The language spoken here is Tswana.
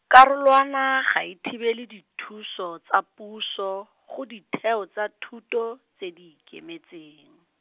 karolwana ga e thibele dithuso tsa puso, go ditheo tsa thuto, tse di ikemetseng.